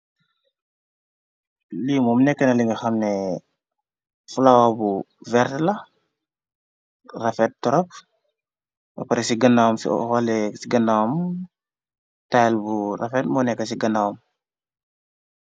Lii moom nekk na linga xamne flawa bu verrtela rafet torop wapari ci ganaam ci xalee ci ganaam tall bu rafet moo nekk ci ganaawam.